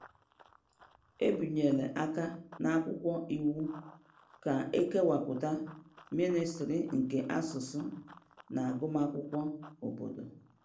"Ebinyela aka n'akwụkwọ iwu ka e kewapụta Ministri nke Asụsụ na Agụmakwụkwọ Obodo."